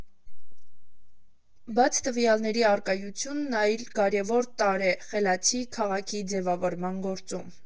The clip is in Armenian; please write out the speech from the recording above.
Բաց տվյալների առկայությունն այլ կարևոր տարր է՝ «խելացի քաղաքի» ձևավորման գործում։